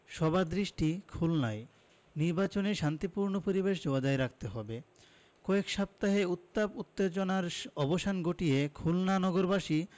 সবার দৃষ্টি খুলনায় নির্বাচনে শান্তিপূর্ণ পরিবেশ বজায় রাখতে হবে কয়েক সপ্তাহের উত্তাপ উত্তেজনার অবসান ঘটিয়ে খুলনা নগরবাসী